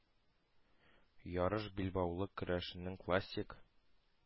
Ярыш билбаулы көрәшнең классик